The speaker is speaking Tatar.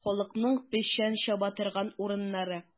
Халыкның печән чаба торган урыннары.